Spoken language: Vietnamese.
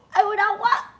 ai ui đau quá